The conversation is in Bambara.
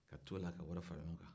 ka to la ka wari fara ɲɔgɔn kan